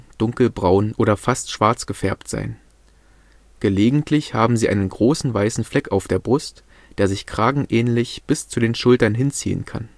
dunkelbraun oder fast schwarz gefärbt sein. Gelegentlich haben sie einen großen weißen Fleck auf der Brust, der sich kragenähnlich bis zu den Schultern hinziehen kann